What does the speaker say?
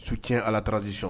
Su tiɲɛ alarazsi